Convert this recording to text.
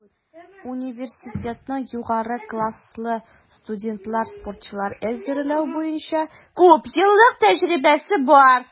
Университетның югары класслы студент-спортчылар әзерләү буенча күпьеллык тәҗрибәсе бар.